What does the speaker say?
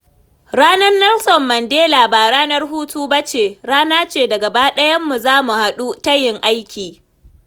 Ranar Nelson Mandela ba ranar hutu ba ce, rana ce da gaba ɗayanmu za mu haɗu ta yin aiki.